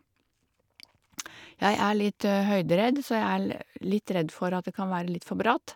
Jeg er litt høyderedd, så jeg er le litt rett for at det kan være litt for bratt.